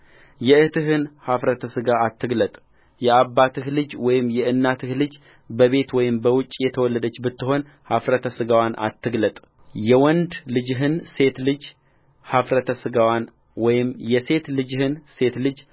የእኅትህን ኃፍረተ ሥጋ አትግለጥ የአባትህ ልጅ ወይም የእናትህ ልጅ በቤት ወይም በውጭ የተወለደች ብትሆን ኃፍረተ ሥጋዋን አትግለጥየወንድ ልጅህን ሴት ልጅ ኃፍረተ ሥጋዋን ወይም የሴት ልጅህን ሴት ልጅ